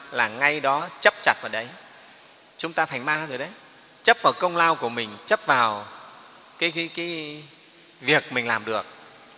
là ngay đó chấp chặt vào đấy chúng ta thành ma rồi đấy chấp vào công lao của mình chấp vào cái việc mình làm được